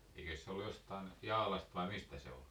eikös se ollut jostakin Jaalasta vai mistä se oli